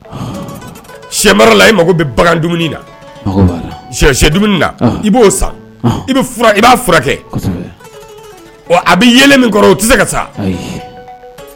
Sɛ la i mako bɛ bagan io i b'a furakɛ a bɛ ye min kɔrɔ tɛ se ka sa